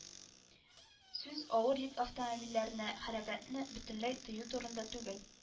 Сүз авыр йөк автомобильләренә хәрәкәтне бөтенләй тыю турында түгел